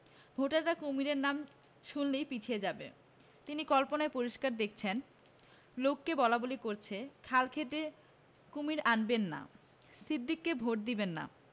ভোটাররা কুমীরের নাম শুনলেই পিছিয়ে যাবে তিনি কল্পনায় পরিষ্কার দেখছেন লােকে বলাবলি করছে খাল কেটে কুশীর আনবেন না সিদ্দিককে ভোট দেবেন না